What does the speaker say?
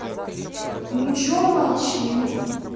ну че молчим